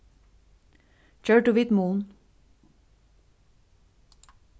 gjørdu vit mun